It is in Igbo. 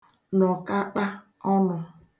nọkata ọnụ̄